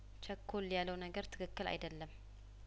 ቸኮል ያለው ነገር ትክክል አይደለም